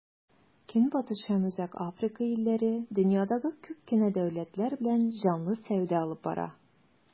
Көнбатыш һәм Үзәк Африка илләре дөньядагы күп кенә дәүләтләр белән җанлы сәүдә алып бара.